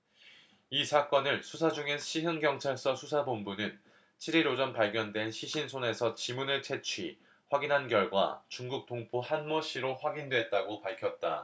이 사건을 수사 중인 시흥경찰서 수사본부는 칠 일 오전 발견된 시신 손에서 지문을 채취 확인한 결과 중국 동포 한모씨로 확인됐다고 밝혔다